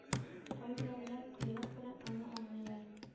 Кайберәүләр койрык белән аны аңлыйлар.